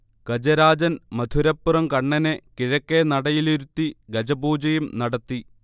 ഗജരാജൻ മധുരപ്പുറം കണ്ണനെ കിഴക്കേ നടയിലിരുത്തി ഗജപൂജയും നടത്തി